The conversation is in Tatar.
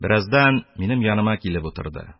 Бераздан минем яныма килеп утырды...